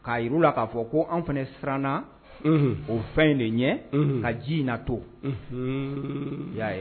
K'a yila k'a fɔ ko an fana siranna o fɛn in de ɲɛ ka ji in na to i y'a ye